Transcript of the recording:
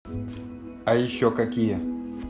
а еще какие